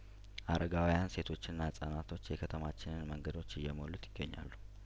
አረጋውያን ሴቶችና ህጻናቶች የከተማችንን መንገዶች እየሞሉት ይገኛሉ